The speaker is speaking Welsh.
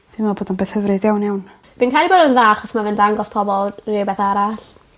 Dwi'n me'wl bod o'n beth hyfryd iawn iawn. Fi'n credu bod yn dda achos ma' fe'n dangos pobol rhywbeth arall.